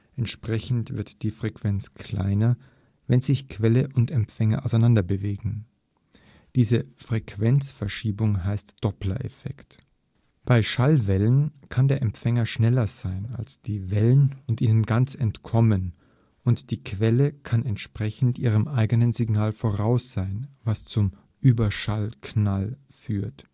Entsprechend wird die Frequenz kleiner, wenn sich Quelle und Empfänger auseinander bewegen. Diese Frequenzverschiebung heißt Dopplereffekt. Bei Schallwellen kann der Empfänger schneller sein als die Wellen und ihnen ganz entkommen, und die Quelle kann entsprechend ihrem eigenen Signal voraus sein, was zum Überschallknall führt